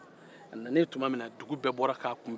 a nanen tuma min na dugu bɛɛ bɔra k'a kunbɛn